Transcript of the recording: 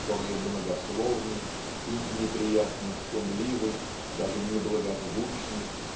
которые многословны и неприятно шумливы даже неблагозвучны